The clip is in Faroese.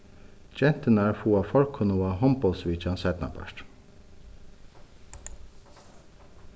genturnar fáa forkunnuga hondbóltsvitjan seinnapartin